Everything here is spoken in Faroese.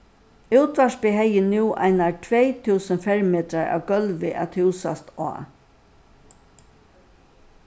útvarpið hevði nú einar tvey túsund fermetrar av gólvi at húsast á